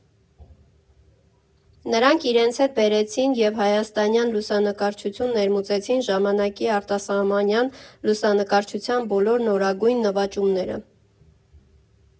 Նրանք իրենց հետ բերեցին և հայաստանյան լուսանկարչություն ներմուծեցին ժամանակի արտասահմանյան լուսանկարչության բոլոր նորագույն նվաճումները։